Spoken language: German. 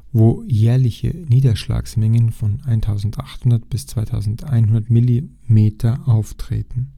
wo jährliche Niederschlagsmengen von 1800 bis 2100 mm auftreten